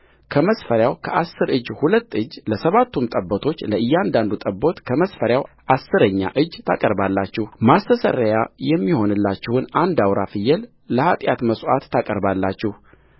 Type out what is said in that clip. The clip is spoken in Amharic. ከመስፈሪያው ከአሥር እጅ ሁለት እጅለሰባቱም ጠቦቶች ለእያንዳንዱ ጠቦት ከመስፈሪያው አሥረኛ እጅ ታቀርባላችሁማስተስረያ የሚሆንላችሁን አንድ አውራ ፍየል ለኃጢአት መሥዋዕት ታቀርባላችሁ